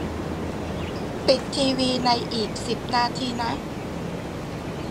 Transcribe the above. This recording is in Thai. ปิดทีวีในอีกสิบนาทีนะ